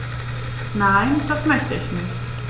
Nein, das möchte ich nicht.